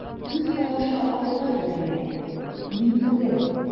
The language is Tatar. Күз карашы Аюга текәлә: мин түгел.